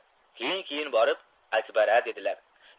keyin keyin borib akbari dedilar